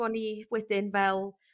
bo' ni wedyn fel